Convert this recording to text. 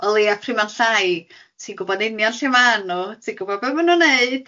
o leia pry ma nhw'n llai, ti'n gwybod yn union lle ma' nhw, ti'n gwybo be ma' nhw'n wneud a